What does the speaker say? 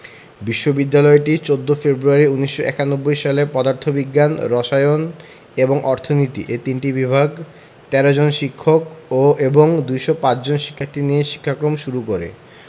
বিশ্ববিদ্যালয়টি ১৪ ফেব্রুয়ারি ১৯৯১ সালে পদার্থ বিজ্ঞান রসায়ন এবং অর্থনীতি এ তিনটি বিভাগ ১৩ জন শিক্ষক এবং ২০৫ জন শিক্ষার্থী নিয়ে শিক্ষাক্রম শুরু করে